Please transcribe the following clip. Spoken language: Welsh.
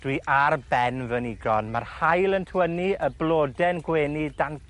dwi ar ben fy nigon ma'r haul yn twynnu y blode'n gwenu dan